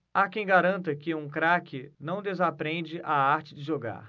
há quem garanta que um craque não desaprende a arte de jogar